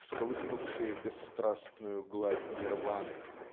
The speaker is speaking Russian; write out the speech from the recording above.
всколыхнувшие бесстрастную гладь Нирваны